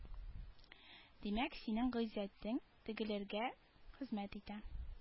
Димәк синең гыйззәтең тегеләргә хезмәт итә